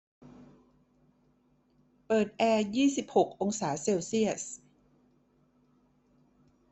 เปิดแอร์ยี่สิบหกองศาเซลเซียส